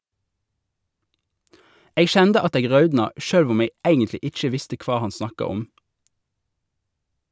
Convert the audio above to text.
Eg kjende at eg raudna sjølv om eg eigentlig ikkje visste kva han snakka om.